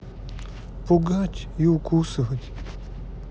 пугать и укусывать